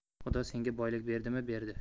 xudo senga boylik berdimi berdi